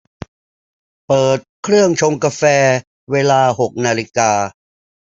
เปิดเครื่องชงกาแฟเวลาหกนาฬิกา